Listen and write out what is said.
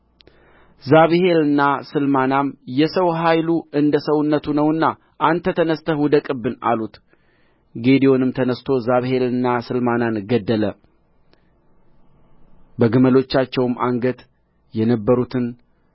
ዛብሄልና ስልማናም የሰው ኃይሉ እንደ ሰውነቱ ነውና አንተ ተነሥተህ ውደቅብን አሉት ጌዴዎንም ተነሥቶ ዛብሄልንና ስልማናን ገደለ በግመሎቻቸውም አንገት የነበሩትን